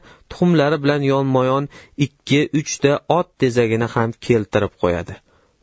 tuxumlari bilan yonma yon ikki uchta ot tezagini ham keltirib qo'yadi